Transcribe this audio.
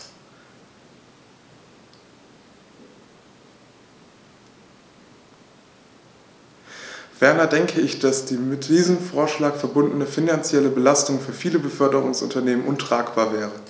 Ferner denke ich, dass die mit diesem Vorschlag verbundene finanzielle Belastung für viele Beförderungsunternehmen untragbar wäre.